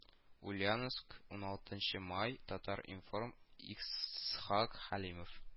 Ульяновск, уналтынчы май, Татар-Информ , Исхак Хәлимов